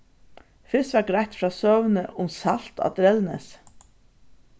fyrst varð greitt frá søguni um salt á drelnesi